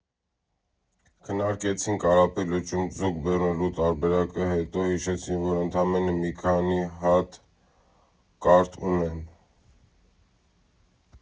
Քննարկեցին Կարապի լճում ձուկ բռնելու տարբերակը, հետո հիշեցին, որ ընդամենը մի հատ կարթ ունեն։